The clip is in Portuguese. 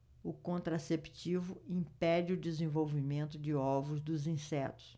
o contraceptivo impede o desenvolvimento de ovos dos insetos